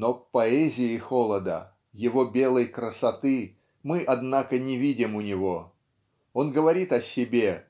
но поэзии холода, его белой красоты, мы однако не видим у него. Он говорит о себе